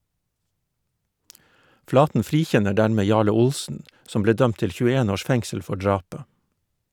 Flaten frikjenner dermed Jarle Olsen, som ble dømt til 21 års fengsel for drapet.